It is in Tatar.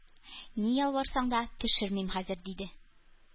Ни ялварсаң да төшермим хәзер! — диде.